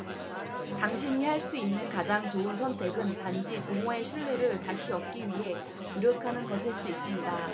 당신이 할 수 있는 가장 좋은 선택은 단지 부모의 신뢰를 다시 얻기 위해 노력하는 것일 수 있습니다